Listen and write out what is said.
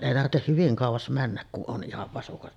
ei tarvitse hyvin kauas mennä kun on ihan vasukat -